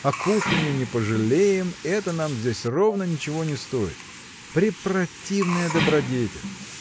а кушанья не пожалеем это нам здесь ровно ничего не стоит. Препротивная добродетель!